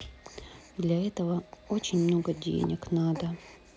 для этого очень много денег надо